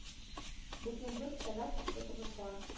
- безнең дүрт сәгать вакытыбыз бар